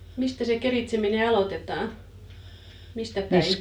mistä se keritseminen aloitetaan mistä päin